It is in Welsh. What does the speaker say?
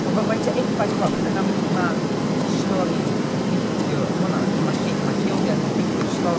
ond fai- faint o effaith... wel yn yn amlwg ma' stori'n effeithio... wel na ma' lle- ma' lleoliad yn effeithio'r stori